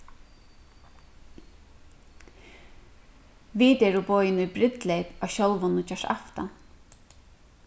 vit eru boðin í brúdleyp á sjálvum nýggjársaftan